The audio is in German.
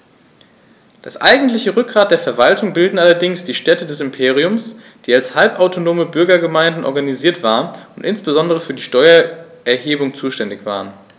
Das eigentliche Rückgrat der Verwaltung bildeten allerdings die Städte des Imperiums, die als halbautonome Bürgergemeinden organisiert waren und insbesondere für die Steuererhebung zuständig waren.